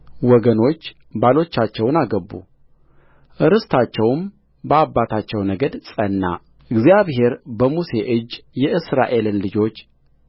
ወገኖች ባሎቻቸውን አገቡ ርስታቸውም በአባታቸው ነገድ ጸናእግዚአብሔር በሙሴ እጅ የእስራኤልን ልጆች